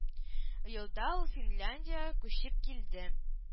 Елда ул финляндиягә күчеп килде